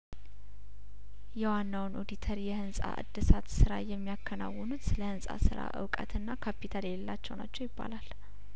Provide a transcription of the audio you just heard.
የዋናውን ኦዲተር የህንጻ እድሳት ስራ የሚያከናውኑት ስለህንጻ ስራ እውቀትና ካፒታል የሌላቸው ናቸው ይባላል